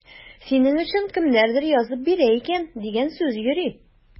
Синең өчен кемнәрдер язып бирә икән дигән сүз йөри.